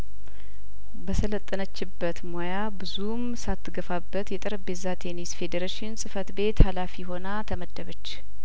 በሰለጠነችበት ሙያ ብዙም ሳትገፋበት የጠረጴዛ ቴኒስ ፌዴሬሽን ጽፈት ቤት ሀላፊ ሆና ተመደበች